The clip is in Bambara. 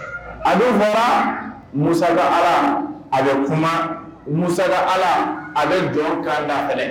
A bɛ fara musa ala a bɛ kuma musa ala a bɛ dɔn' da yɛrɛɛrɛ